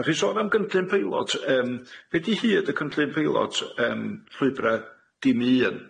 Dach chi sôn am gynllun peilot yym, be' 'di hyd y cynllun peilot yym llwybra dim i un?